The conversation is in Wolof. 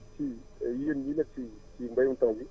si yéen ñi nekk si mbéyum tool mi